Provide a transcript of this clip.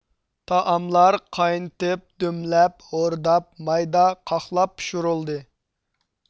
تائاملار قاينىتىپ دۈملەپ ھورداپ مايدا قاقلاپ پىشۇرىلىدۇ